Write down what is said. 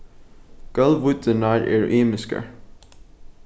gólvvíddirnar eru ymiskar